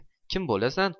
kim bo'lasan